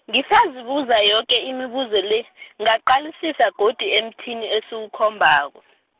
ngisazibuza yoke imibuzo le , ngaqalisisa godu emthini esiwukhombako.